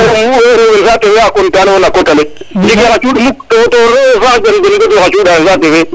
rewe saate fe a content noyo na kotale njege xa cuuɗ muk to naxa cuuɗaxe saate fe